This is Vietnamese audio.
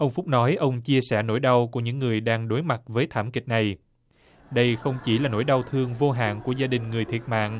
ông phúc nói ông chia sẻ nỗi đau của những người đang đối mặt với thảm kịch này đây không chỉ là nỗi đau thương vô hạn của gia đình người thiệt mạng